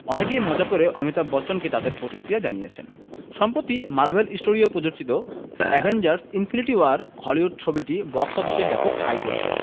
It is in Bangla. অনেকেই মজা করে অমিতাভ বচ্চনকে তাদের প্রতিক্রিয়া জানিয়েছেন সম্প্রতি মার্বেল স্টুডিয়ো প্রযোজিত অ্যাভেঞ্জার্স ইনফিনিটি ওয়ার হলিউড ছবিটি বক্স অফিসে ব্যাপক আয় করছে